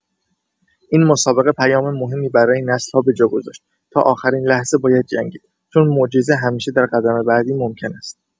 این مسابقه پیام مهمی برای نسل‌ها به جا گذاشت: تا آخرین لحظه باید جنگید، چون معجزه همیشه در قدم بعدی ممکن است.